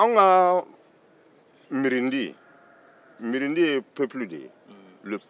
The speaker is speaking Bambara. anw ka mirinti mirinti ye peuple de